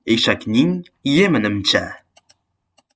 ham eshakning yemi nimcha